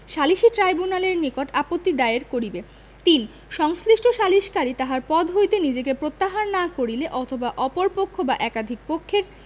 সালিসী ট্রইব্যুনালের নিকট আপত্তি দায়ের করিবে ৩ সংশ্লিষ্ট সালিসকারী তাহার পদ হইতে নিজেকে প্রত্যাহার না করিলে অথবা অপর পক্ষ বা একাধিক পক্ষের